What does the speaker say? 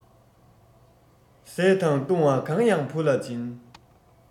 བཟས དང བཏུང བ གང ཡག བུ ལ སྦྱིན